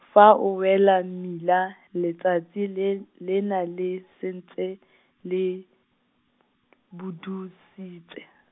fa a wela mmila, letsatsi le, le na le sentse, le, budusitsa.